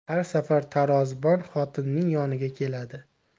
har safar tarozibon xotinning yoniga keladi